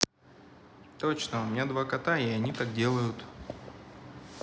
точно у меня два кота они так и делают